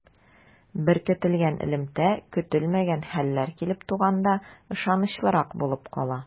Беркетелгән элемтә көтелмәгән хәлләр килеп туганда ышанычлырак булып кала.